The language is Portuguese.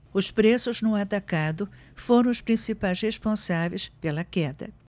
os preços no atacado foram os principais responsáveis pela queda